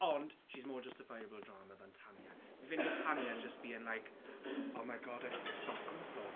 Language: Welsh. Ond, she's more justifiable drama than Tanya. Fi'n ffeindio Tanya's just being like; "Oh my God, I see a sock on the floor."